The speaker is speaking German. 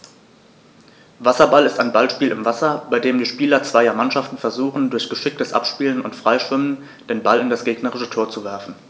Wasserball ist ein Ballspiel im Wasser, bei dem die Spieler zweier Mannschaften versuchen, durch geschicktes Abspielen und Freischwimmen den Ball in das gegnerische Tor zu werfen.